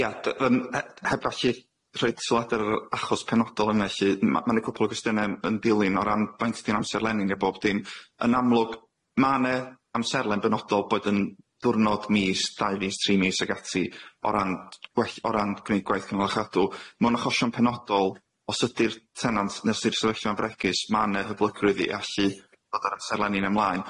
Ia dy- yym e- heb allu rhoid sylwad ar yr achos penodol yna lly ma' ma' ne' cwpwl o gwestiyne yn yn dilyn o ran faint ydi'n amser leni ne' bob dim yn amlwg ma' ne' amserlen benodol boed yn ddiwrnod, mis, dau fis, tri mis ag ati o ran gwell o ran gneud gwaith cymhwyl a chadw ma' o'n achosion penodol os ydi'r tenant nes i'r sefyllfa'n bregus ma' ane hyblygrwydd i allu dod ar anserleni yn ymlaen.